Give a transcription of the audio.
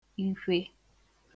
ikwe